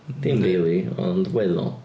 Dim rili ond weddol.